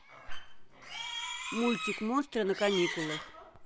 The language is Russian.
мультик монстры на каникулах